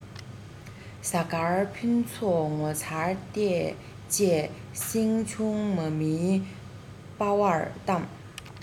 གཟའ སྐར ཕུན ཚོགས ངོ མཚར ལྟས བཅས སྲིང ཆུང མ མའི སྤ བར བལྟམས